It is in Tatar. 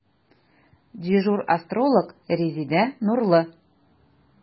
Дежур астролог – Резеда Нурлы.